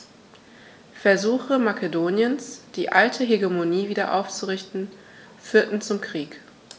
Versuche Makedoniens, die alte Hegemonie wieder aufzurichten, führten zum Krieg.